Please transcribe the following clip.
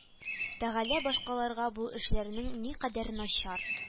Тәгалә башкаларга бу эшләрнең никадәр начар